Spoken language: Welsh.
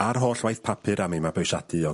a'r holl waith papur am ei mabwysiadu o...